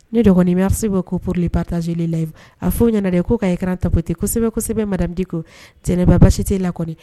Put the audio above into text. Ne dɔgɔnin masi bɛ ko ppuroli pataze layi a f'o ɲɛna dɛ ko' ka ye kan tapte kosɛbɛsɛbɛ madadi ko ntba baasisite la